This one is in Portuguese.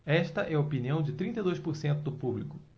esta é a opinião de trinta e dois por cento do público